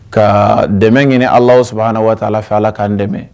Ka dɛmɛ ɲini ala saba waati a fɛ ala k'an dɛmɛ